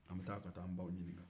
an bɛ taa ka taa an baw ɲininka